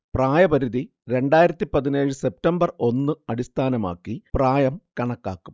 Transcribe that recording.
പ്രായപരിധി രണ്ടായിരത്തിപ്പതിനേഴ് സെപ്റ്റംബർ ഒന്ന് അടിസ്ഥാനമാക്കി പ്രായം കണക്കാക്കും